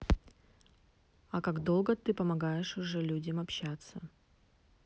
а как долго ты помогаешь уже людям общаться